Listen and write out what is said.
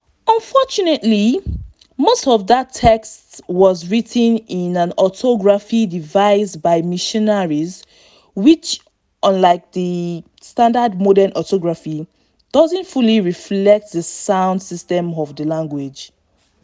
Unfortunately, most of that text was written in an orthography devised by missionaries which, unlike the standard modern orthography, doesn’t fully reflect the sound system of the language.